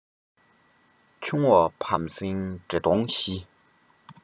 ཆུང བ བམ སྲིང འདྲེ གདོང བཞི